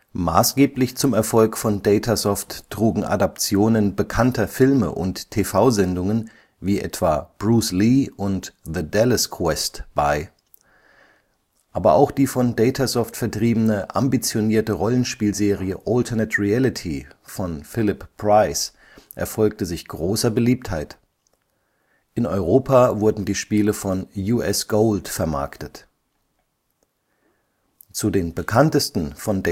Maßgeblich zum Erfolg von Datasoft trugen Adaptionen bekannter Filme und TV-Sendungen wie etwa Bruce Lee und The Dalles Quest bei. Aber auch die von Datasoft vertriebene ambitionierte Rollenspielserie Alternate Reality von Philip Price erfreute sich großer Beliebtheit. In Europa wurden die Spiele von U.S. Gold vermarktet. Zu den bekanntesten von